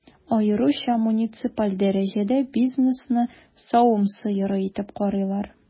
Аеруча муниципаль дәрәҗәдә бизнесны савым сыеры итеп карыйлар.